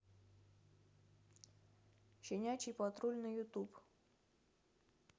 щенячий патруль на ютуб